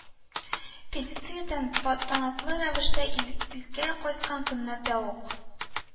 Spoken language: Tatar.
Педициядән тантаналы рәвештә илгә кайткан көннәрдә үк